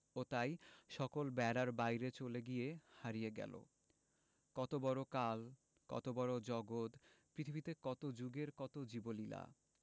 ও তাই সকল বেড়ার বাইরে চলে গিয়ে হারিয়ে গেল কত বড় কাল কত বড় জগত পৃথিবীতে কত জুগের কত জীবলীলা